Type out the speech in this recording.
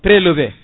prélevé